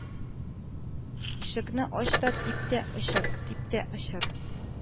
Ишекне ач та тип тә очыр, тип тә очыр